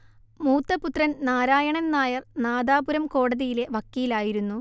മൂത്ത പുത്രൻ നാരായണൻ നായർ നാദാപുരം കോടതിയിലെ വക്കീലായിരുന്നു